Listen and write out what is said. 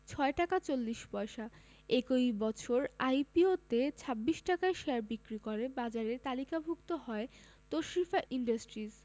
৬ টাকা ৪০ পয়সা একই বছর আইপিওতে ২৬ টাকায় শেয়ার বিক্রি করে বাজারে তালিকাভুক্ত হয় তশরিফা ইন্ডাস্ট্রিজ